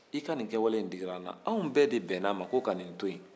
i ka nin kɛwale in digira an na anw bɛɛ de bɛnna a ma ko ka nin to yen